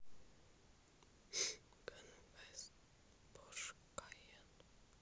ганвест порш каен